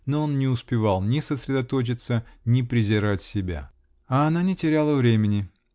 но он не успевал ни сосредоточиться, ни презирать себя. А она не теряла времени.